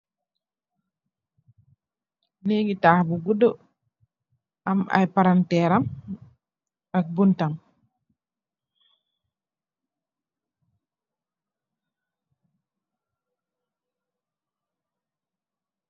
Nègii tax bu guddu am ay palanterr am aki buntam.